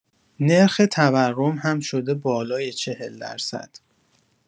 نرخ تورم هم شده بالای ۴۰ درصد.